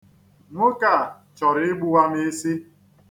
Nwoke a chọrọ igbuwa m isi.